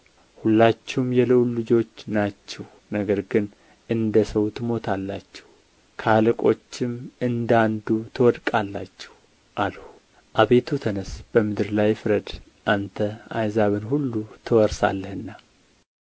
ሁላችሁም የልዑል ልጆች ናችሁ ነገር ግን እንደ ሰው ትሞታላችሁ ከአለቆችም እንደ አንዱ ትወድቃላችሁ አልሁ አቤቱ ተነሥ በምድር ላይ ፍርድ አንተ አሕዛብን ሁሉ ትወርሳለህና